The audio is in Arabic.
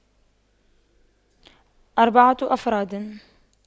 أربعة أفراد